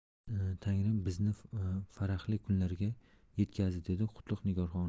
tangrim bizni farahli kunlarga yetkazdi dedi qutlug' nigor xonim